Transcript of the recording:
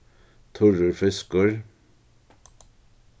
turrur fiskur